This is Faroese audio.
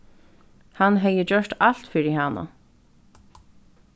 hann hevði gjørt alt fyri hana